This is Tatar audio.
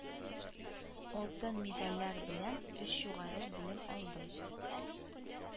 Алтын медальләр белән, өч югары белем алдым